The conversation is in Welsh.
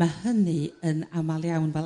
ma' hynny yn aml iawn fel